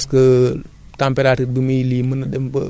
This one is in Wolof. mais tamit dafay dégager tàngaay bu garaaw